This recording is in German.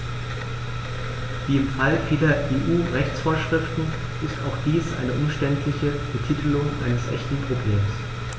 Wie im Fall vieler EU-Rechtsvorschriften ist auch dies eine umständliche Betitelung eines echten Problems.